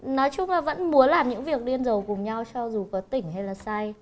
nói chung là vẫn muốn làm những việc điên rồ cùng nhau cho dù có tỉnh hay là say